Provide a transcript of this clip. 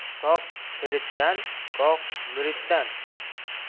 goh pirdan goh muriddan